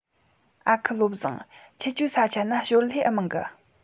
ཨ ཁུ བློ བཟང ཁྱེད ཆའི ས ཆ ན ཞོར ལས ཨེ མང གི